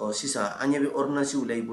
Ɔ sisan an ɲɛ bɛ rsi layi bɔ